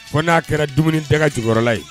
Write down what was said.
Ko n'a kɛra dumuni da jula ye